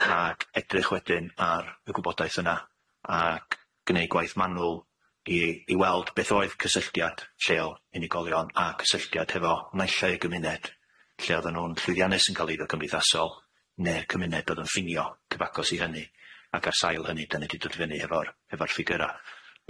ac edrych wedyn ar y gwybodaeth yna ac gneud gwaith manwl i i weld beth oedd cysylltiad lleol unigolion a cysylltiad hefo naill ai y gymuned lle oddan nw'n llwyddiannus yn ca'l eiddo cymdeithasol ne'r cymuned o'dd yn ffinio cyfagos i hynny ac ar sail hynny 'dyn ni 'di dod i fyny hefo'r hefo'r ffigyra.